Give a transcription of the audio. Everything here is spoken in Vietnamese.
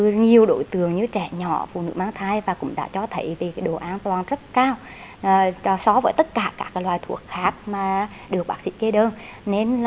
từ nhiều đối tượng như trẻ nhỏ phụ nữ mang thai và cũng đã cho thấy về độ an toàn rất cao so với tất cả các loại thuốc khác mà được bác sĩ kê đơn nên là